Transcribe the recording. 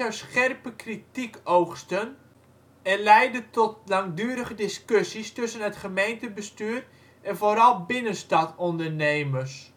scherpe kritiek oogsten en leiden tot langdurige discussies tussen het gemeentebestuur en (vooral) binnenstadsondernemers